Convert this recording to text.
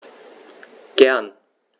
Gern.